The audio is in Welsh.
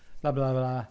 Bla, bla, bla.